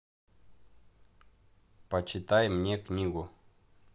почитай мне книгу